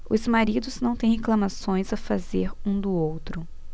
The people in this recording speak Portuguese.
os maridos não têm reclamações a fazer um do outro